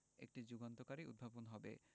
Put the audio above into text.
একটি যুগান্তকারী উদ্ভাবন হবে